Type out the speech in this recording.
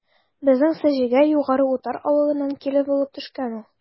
Безнең Сеҗегә Югары Утар авылыннан килен булып төшкән ул.